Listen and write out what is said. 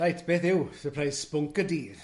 Reit, beth yw, sypreis bwnc y dydd.